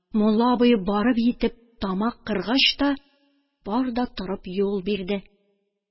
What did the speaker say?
Мулла абый барып йитеп тамак кыргач та, бар да торып юл бирде.